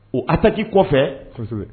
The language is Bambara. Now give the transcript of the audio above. O a tati kɔfɛ kosɛbɛ